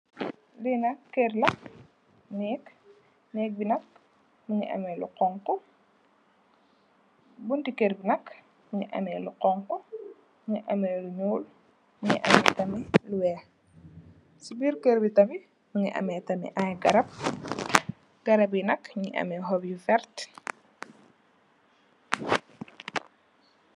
Bii nak kér la, neeg bi nak, mu ngi amee lu xoñxu, buntu kér bi nak, mu ngi amee lu xoñxu, mu ngi amee lu ñuul, mu ngi amee tamit, lu weex. Si bir kér bi tamit, mu ngi amee tamit ay garab, garab yi nak, ñu ngi amee xob yu werta.